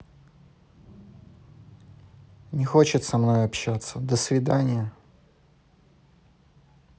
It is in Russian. не хочет со мной общаться до свидания